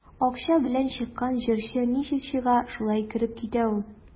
Акча белән чыккан җырчы ничек чыга, шулай кереп китә ул.